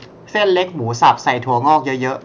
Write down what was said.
เส้นเล็กหมูสับใส่ถั่วงอกเยอะเยอะ